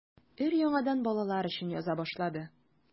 Өр-яңадан балалар өчен яза башлады.